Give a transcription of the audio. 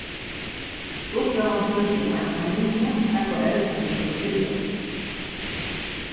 stuttsøgan snýr seg um eina familju har foreldrini skulu skiljast